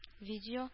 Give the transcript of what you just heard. Видео